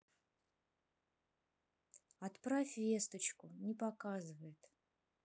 отправь весточку не показывает